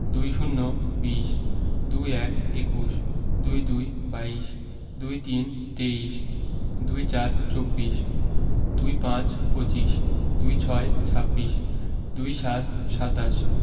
২০ বিশ ২১ একুশ ২২ বাইশ ২৩ তেইশ ২৪ চব্বিশ ২৫ পঁচিশ ২৬ ছাব্বিশ ২৭ সাতাশ